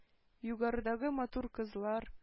Югарыдагы матур кызлар,